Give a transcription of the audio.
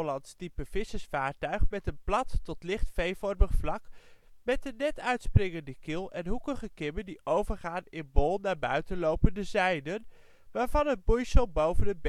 oud vissersvaartuig met een licht V-vormig vlak, met een net uitspringende kiel en hoekige kimmen die overgaan in bol naar buiten lopende zijden, waarvan het boeisel boven